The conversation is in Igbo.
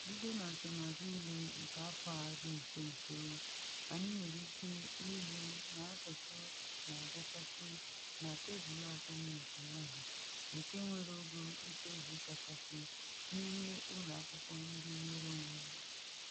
Bido na nsonaazụ ule nke afọ a dị nso nso, anyị nwere ike ịhụ na asụsụ na agachasị na tebul asọmpi ahụ nke nwere ogo ntozu kachasị n’ime ụlọ akwụkwọ ndị nnwere onwe.